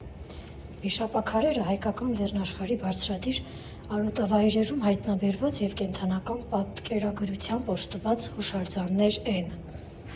Վիշապաքարերը Հայկական լեռնաշխարհի բարձրադիր արոտավայրերում հայտնաբերված և կենդանական պատկերագրությամբ օժտված հուշարձաններ են։